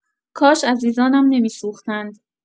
کاش عزیزانم نمی‌سوختند.